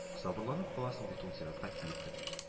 Сабырланып каласың бит ул зиратка килеп кергәч